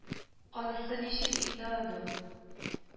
- анысы ничек инде аның